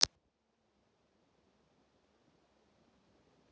реальные пацаны тринадцатый сезон вторая серия